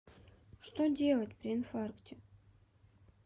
что делать при инфаркте